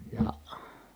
ja